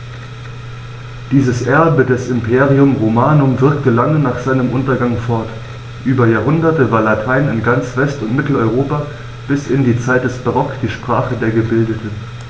Dieses Erbe des Imperium Romanum wirkte lange nach seinem Untergang fort: Über Jahrhunderte war Latein in ganz West- und Mitteleuropa bis in die Zeit des Barock die Sprache der Gebildeten.